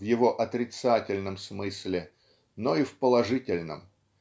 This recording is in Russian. в его отрицательном смысле но и в положительном.